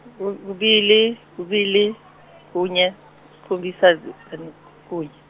ku- kubili, kubili, kunye, sikhombisa kunye.